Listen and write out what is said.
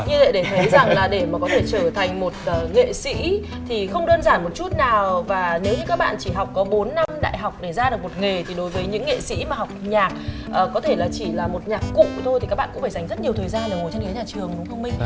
như vậy để thấy rằng là để mà có thể trở thành một ờ nghệ sĩ thì không đơn giản một chút nào và nếu như các bạn chỉ học có bốn năm đại học để ra được một nghề thì đối với những nghệ sĩ mà học nhạc ờ có thể là chỉ là một nhạc cụ thôi thì các bạn cũng phải dành rất là nhiều thời gian ngồi trên ghế nhà trường đúng không minh